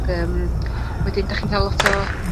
Ag yym wedyn dach chi'n ca'l lot o